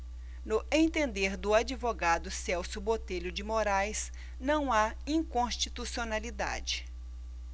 no entender do advogado celso botelho de moraes não há inconstitucionalidade